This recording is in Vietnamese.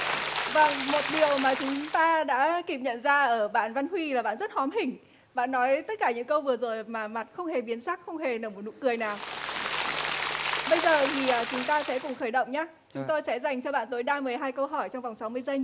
vầng một điều mà chúng ta đã kịp nhận ra ở bạn văn huy và bạn rất hóm hỉnh bạn nói tất cả những câu vừa rồi mà mặt không hề biến sắc không hề nở một nụ cười nào bây giờ thì chúng ta sẽ cùng khởi động nhá chúng tôi sẽ dành cho bạn tối đa mười hai câu hỏi trong vòng sáu mươi giây